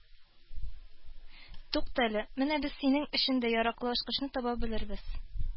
Туктале, менә без синең өчен дә яраклы ачкычны таба белербез